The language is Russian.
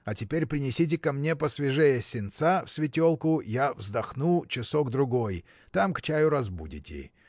А теперь принесите-ка мне посвежее сенца в светелку я вздохну часок-другой там к чаю разбудите.